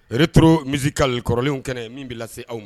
Yɛrɛre to misi kalik kɔrɔlen kɛnɛ min bɛ lase aw ma